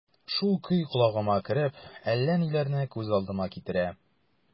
Шул көй колагыма кереп, әллә ниләрне күз алдыма китерә...